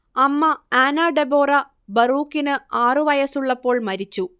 അമ്മ Anna Deborah ബറൂക്കിന് ആറുവയസ്സുള്ളപ്പോൾ മരിച്ചു